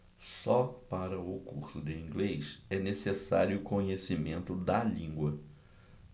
só para o curso de inglês é necessário conhecimento da língua